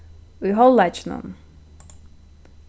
í hálvleikinum